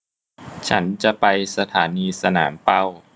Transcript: ฉันจะไปสถานีสนามเป้า